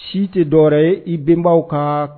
Si tɛ dɔ ibenbaw kan